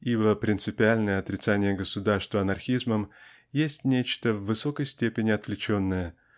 ибо принципиальное отрицание государства анархизмом есть нечто в высокой степени отвлеченное